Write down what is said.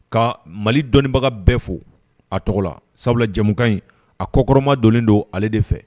Ka Mali dɔnniibaga bɛɛ fo a tɔgɔ la, sabula jɛmukan in, a kɔkɔrɔma donnen don ale de fɛ.